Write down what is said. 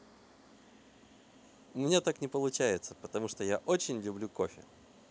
у меня так не получается потому что я очень люблю кофе